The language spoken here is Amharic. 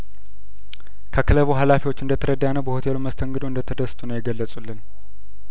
ከክለቡ ሀላፊዎች እንደተረዳነው በሆቴሉ መስተንግዶ እንደተደሰቱ ነው የገለጹ ልን